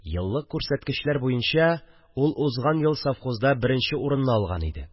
Еллык күрсәткечләр буенча ул узган ел совхозда беренче урынны алган иде